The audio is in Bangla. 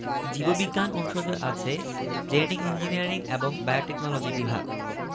জীব বিজ্ঞান অনুষদে আছে জেনেটিক ইঞ্জিনিয়ারিং এবং বায়োটেকনলজি বিভাগ